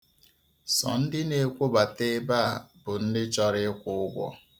Sọ ndị na-ekwobata ebe a bụ ndị chọrọ ịkwụ ụgwo.